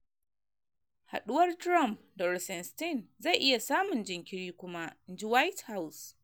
Haduwar Trump da Rosenstein zai iya samun jinkiri kuma, inji White House